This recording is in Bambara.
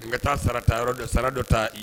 N bɛ taa sara ta yɔrɔ dɔ sara dɔ taa i